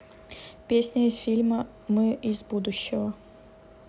песня из фильма мы из будущего